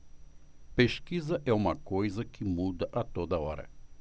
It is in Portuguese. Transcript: pesquisa é uma coisa que muda a toda hora